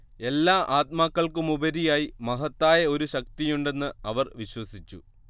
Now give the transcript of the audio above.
എല്ലാ ആത്മാക്കൾക്കുമുപരിയായി മഹത്തായ ഒരു ശക്തിയുണ്ടെന്ന് അവർ വിശ്വസിച്ചു